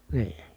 niin